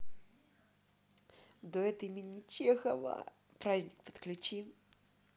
дуэт имени чехова праздник подключи